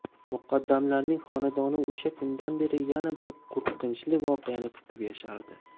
muqaddamlarning xonadoni o'sha kundan beri yana bir qo'rqinchli voqeani kutib yashardi